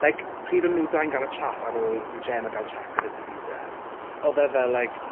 Like pryd oedd nhw dau yn gael y chat ar ôl i Gemma gael chat gyda Davide oedd e fel like...